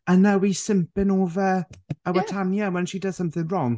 And now he's simping over our... ie... Tanya when she's done nothing wrong.